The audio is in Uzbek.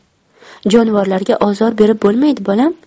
jonivorlarga ozor berib bo'lmaydi bolam